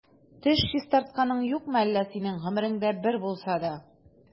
Теш чистартканың юкмы әллә синең гомереңдә бер булса да?